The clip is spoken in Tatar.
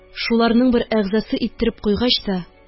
Шуларның бер әгъзасы иттереп куйгач та